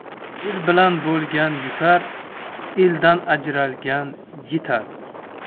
el bilan bo'lgan yutar eldan ajralgan yitar